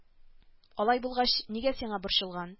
Алай булгач нигә син борчылган